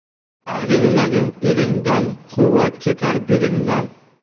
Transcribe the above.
ayrilmagin elingdan quvvat ketar belingdan